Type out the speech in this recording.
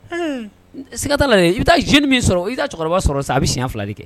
Sigiigakatalen i bɛ taa j min sɔrɔ i cɛkɔrɔba sɔrɔ sa a bɛ si fila de kɛ